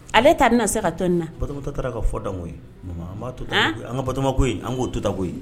Ale ta bɛna se ka to nin na? Batɔma ta taara ka fɔ dan koyi an b'a to tan, an ! an ka Batɔma ko in, an k'o to tan koyi